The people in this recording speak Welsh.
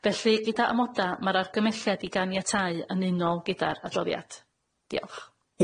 Felly gyda amoda ma'r argymelliad i ganiatáu yn unol gyda'r adroddiad.